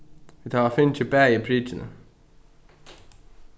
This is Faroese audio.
vit hava fingið bæði prikini